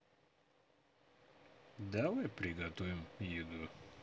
давай приготовим еду